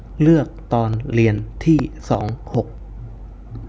เลือกตอนเรียนที่สองหก